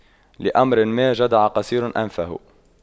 لأمر ما جدع قصير أنفه